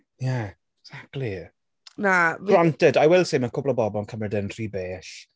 Yeah, exactly... Na... Granted, I will say mae cwpl o bobl yn cymryd e'n rhy bell.